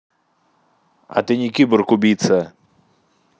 а ты не киборг убийца